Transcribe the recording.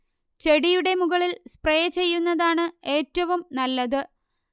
ചെടിയുടെ മുകളിൽ സ്പ്രേ ചെയ്യുന്നതാണ് ഏറ്റവും നല്ലത്